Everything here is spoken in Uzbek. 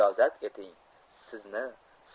ijozat eting